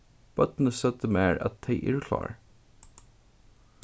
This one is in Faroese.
børnini søgdu mær at tey eru klár